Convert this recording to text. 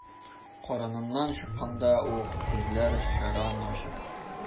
Карыныннан чыкканда ук күзләр шәрран ачык.